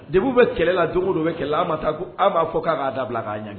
De bɛ kɛlɛ la dugu dɔ bɛ kɛlɛ an ma taa ko an b' fɔ k'a k'a da bila k'a ɲɛ